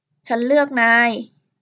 ฉันเลือกนาย